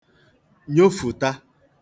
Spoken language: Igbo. nyofụ̀ta